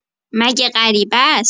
مگه غریبه اس؟